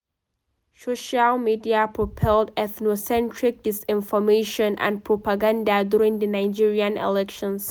Social media propelled ethnocentric disinformation and propaganda during the Nigerian elections